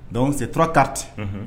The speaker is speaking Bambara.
Dɔnku setura ka ten